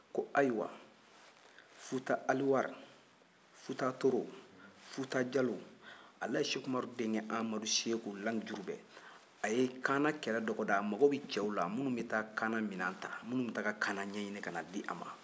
ko ayiwa futa aliwari futa toro futa jalɔn alaji seku umaru denkɛ amadu seku lamijurubɛ a ye kaana kɛlɛ dɔgɔda a mago bɛ cɛw la minnu bɛ taa kaana minɛn ta ka kaanako ɲɛɲinin